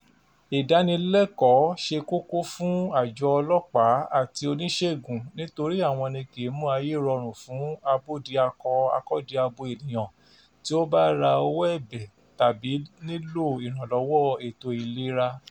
Ìdánilẹ́kọ̀ọ́ ṣe kókó fún àjọ ọlọ́pàá àti oníṣègùn nítorí àwọn ni kì í mú ayé rọrùn fún Abódiakọ-akọ́diabo ènìyàn tí ó bá ra ọwọ́ ẹ̀bẹ̀ tàbí nílò ìrànlọ́wọ́ ètò ìlera.